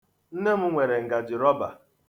Nne m nwere ngaji rọba.